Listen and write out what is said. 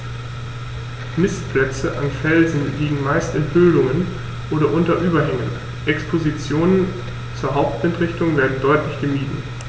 Nistplätze an Felsen liegen meist in Höhlungen oder unter Überhängen, Expositionen zur Hauptwindrichtung werden deutlich gemieden.